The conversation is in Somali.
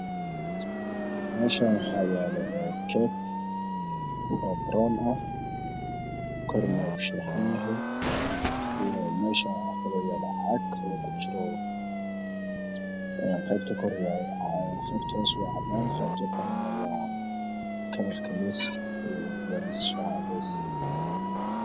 Meeshaan waxaa yaalo jeeg oo baran ah .korna oo ka saraxan yahay ee meesha sidoo kale waxaa yaalo caad oo ku jiro qeybta kare waa cadaan qeybta hoose waa kararta lowska oo yahay mid shaah cadeys.